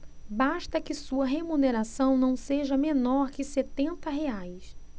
basta que sua remuneração não seja menor que setenta reais